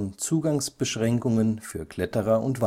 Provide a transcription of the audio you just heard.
Zugangsbeschränkungen für Kletterer und